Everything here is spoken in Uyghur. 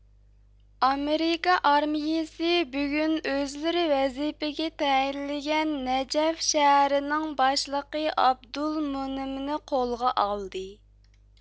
ئامېرىكا ئارمىيىسى بۈگۈن ئۆزلىرى ۋەزىپىگە تەيىنلىگەن نەجەف شەھىرىنىڭ باشلىقى ئابدۇل مۇنىمنى قولغا ئالدى